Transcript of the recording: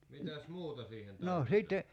mitäs muuta siihen tarvitaan